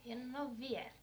en ole vielä